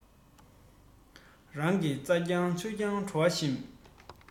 རང གི རྩ རྐྱང ཆུ རྐྱང བྲོ བ ཞིམ